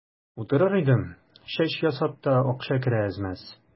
Утырыр идем, чәч ясап та акча керә әз-мәз.